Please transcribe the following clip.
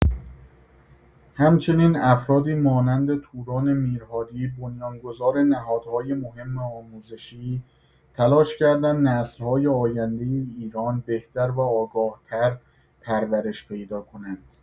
همچنین افرادی مانند توران میرهادی بنیانگذار نهادهای مهم آموزشی، تلاش کردند نسل‌های آینده ایرانی بهتر و آگاه‌تر پرورش پیدا کنند.